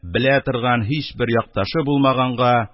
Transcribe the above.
Белә торган һичбер якташы булмаганга